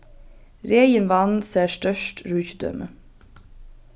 regin vann sær stórt ríkidømi